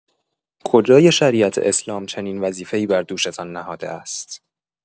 کجای شریعت اسلام چنین وظیفه‌ای بر دوشتان نهاده است؟!